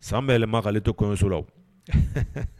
San bɛɛ yɛlɛmamaale tɛ kɔɲɔso la